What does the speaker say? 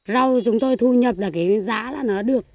rau chúng tôi thu nhập là cái giá là nó được